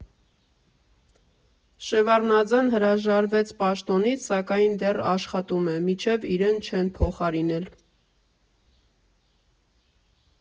Շևարդնաձեն հրաժարվեց պաշտոնից, սակայն դեռ աշխատում է, մինչև իրեն չեն փոխարինել։